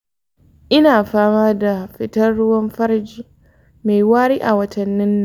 ina fama da fitar ruwan farji mai wari a watannin nan.